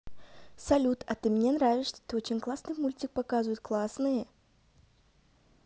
салют а ты мне нравишься ты очень классные мультики показывают классные